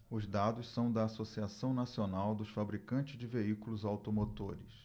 os dados são da anfavea associação nacional dos fabricantes de veículos automotores